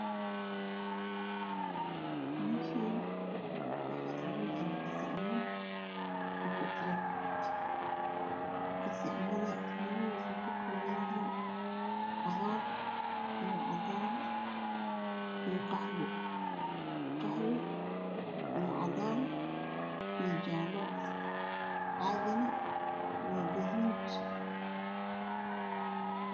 Meeshaani waxaa inoo yaalo gasacman iyo caag gasacman midabadooda wuxuu ka koobanyahay madow cagaar iyo cadaan iyo qaxwi iyo cadaan iyo jaalo caagana waa gaduud